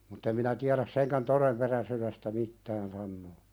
mutta en minä tiedä senkään todenperäisyydestä mitään sanoa